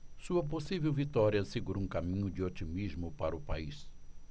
sua possível vitória assegura um caminho de otimismo para o país